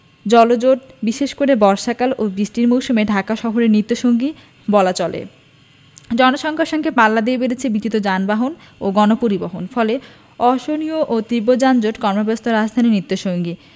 ও জলজট বিশেষ করে বর্ষাকাল ও বৃষ্টির মৌসুমে ঢাকা শহরের নিত্যসঙ্গী বলা চলে জনসংখ্যার সঙ্গে পাল্লা দিয়ে বেড়েছে বিবিধ যানবাহন ও গণপরিবহন ফলে অসহনীয় ও তীব্র যানজট কর্মব্যস্ত রাজধানীর নিত্যসঙ্গী